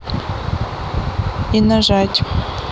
и нажать